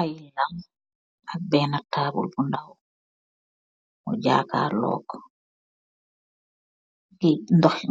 Ay bang ak benna taabul bu ndaw, mu jaakaar look